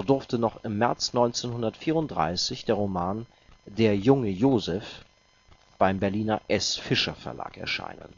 durfte noch im März 1934 der Roman Der junge Joseph beim Berliner S. Fischer Verlag erscheinen.